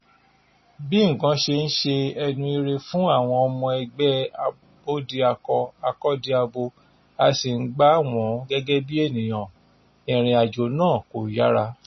Bí nǹkan ṣe ń ṣe ẹnu ire fún àwọn ọmọ ẹgbẹ́ Abódiakọ-akọ́diabo a sì ń gbà wọ́n gẹ́gẹ́ bí ènìyàn, ìrìnàjò náà kò yàrá.